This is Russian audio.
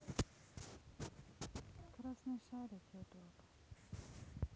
красный шарик ютуб